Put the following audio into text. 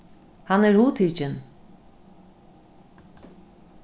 hann er hugtikin